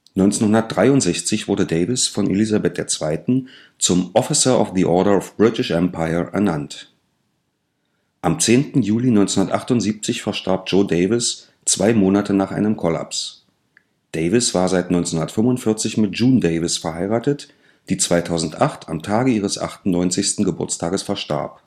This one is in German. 1963 wurde Davis von Elisabeth II. zum Officer of the Order of the British Empire ernannt. Am 10. Juli 1978 verstarb Joe Davis zwei Monate nach einem Kollaps. Davis war seit 1945 mit June Davis verheiratet, die 2008 am Tage ihres 98. Geburtstages verstarb